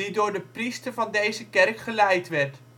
door de priester van deze kerk geleid werd